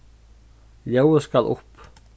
ljóðið skal upp